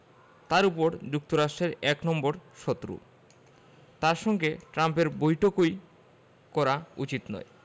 তার ওপর যুক্তরাষ্ট্রের এক নম্বর শত্রু তাঁর সঙ্গে ট্রাম্পের বৈঠকই করা উচিত নয়